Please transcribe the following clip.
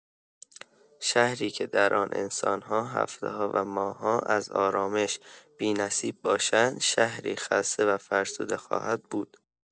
شهری که در آن انسان‌ها هفته‌ها و ماه‌ها از آرامش بی‌نصیب باشند، شهری خسته و فرسوده خواهد بود.